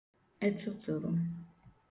etụtụ̀rụ